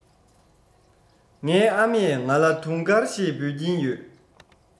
ངའི ཨ མས ང ལ དུང དཀར ཞེས འབོད ཀྱིན ཡོད